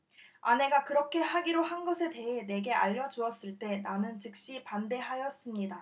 아내가 그렇게 하기로 한 것에 대해 내게 알려 주었을 때 나는 즉시 반대하였습니다